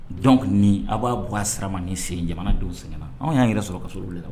Jɔn ni aw b'a bu a sira ma ni sen jamana don sen na anw y'a yɛrɛ sɔrɔ ka so le la wa